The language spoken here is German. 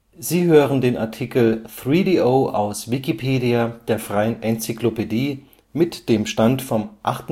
Sie hören den Artikel 3DO, aus Wikipedia, der freien Enzyklopädie. Mit dem Stand vom Der